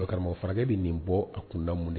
Don karamɔgɔ furakɛ bɛ nin bɔ a kunda mun de